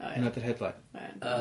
Oh yeah. Hwnna 'di'r headline.